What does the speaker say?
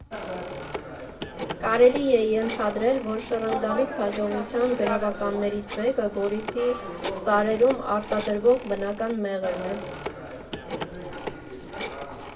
Կարելի է ենթադրել, որ շռնդալից հաջողության գրավականներից մեկը Գորիսի սարերում արտադրվող բնական մեղրն է։